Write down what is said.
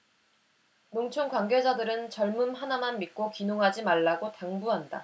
농촌 관계자들은 젊음 하나만 믿고 귀농하지 말라고 당부한다